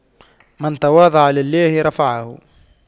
من تواضع لله رفعه